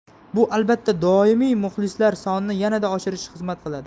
bu albatta doimiy muxlislar sonining yanada oshishiga xizmat qiladi